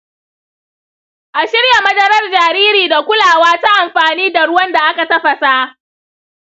a shirya madarar jariri da kulawa ta amfani da ruwan da aka tafasa.